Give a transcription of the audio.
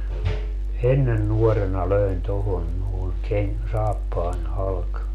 ennen nuorena löin tuohon noin - saappaan halki